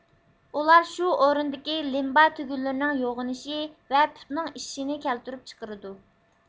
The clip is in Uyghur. ئۇلار شۇ ئورۇندىكى لىمبا تۈگۈنلىرىنىڭ يوغىنىشى ۋە پۇتنىڭ ئىششىشىنى كەلتۈرۈپ چىقىرىدۇ